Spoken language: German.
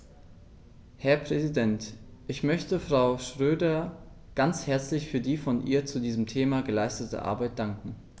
Herr Präsident, ich möchte Frau Schroedter ganz herzlich für die von ihr zu diesem Thema geleistete Arbeit danken.